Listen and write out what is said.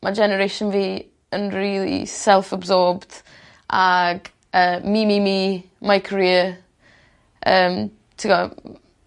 ma' generation fi yn rili self-absorbed. Ag yy me me me my career yym t'go' m-